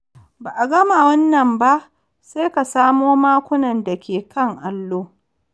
Ba’a gama wannan ba sai ka samo makunan dake kan allo.